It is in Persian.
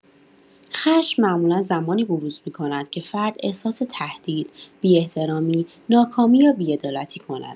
خشم معمولا زمانی بروز می‌کند که فرد احساس تهدید، بی‌احترامی، ناکامی یا بی‌عدالتی کند.